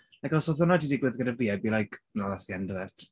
Like os oedd hwnna 'di digwydd gyda fi I'd be like "no that's the end of it".